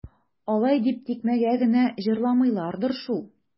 Алай дип тикмәгә генә җырламыйлардыр шул.